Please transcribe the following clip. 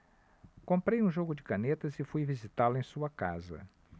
comprei um jogo de canetas e fui visitá-lo em sua casa